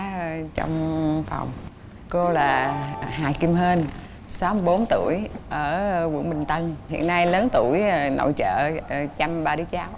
trong phòng cô là hà kim hên sáu bốn tuổi ở quận bình tân hiện nay lớn tuổi nội trợ chăm ba đứa cháu